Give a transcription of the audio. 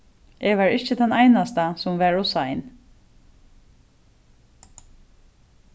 eg var ikki tann einasta sum var ov sein